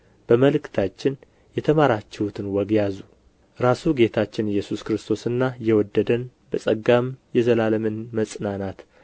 በመልእክታችን የተማራችሁትን ወግ ያዙ ራሱ ጌታችን ኢየሱስ ክርስቶስና የወደደን በጸጋም የዘላለምን መጽናናት